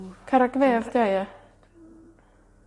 Carrag fedd 'di o ia?